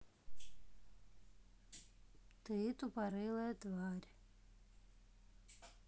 ты тупорылая тварь